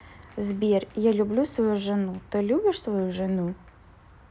сбер я люблю свою жену ты любишь свою жену